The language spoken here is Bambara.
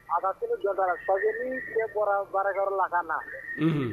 A bɛ so bila faj cɛ bɔra baarakari la ka na